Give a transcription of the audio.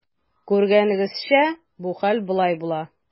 Күргәнегезчә, бу хәл болай була.